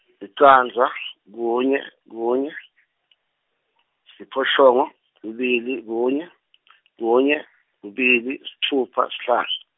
licandza, kunye, kunye , siphohlongo, kubili kunye , kunye, kubili, sitfupha sihlan-.